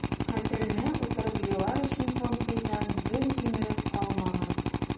Хәтеренә утырып елар өчен помпейдан бер җимерек калмаган...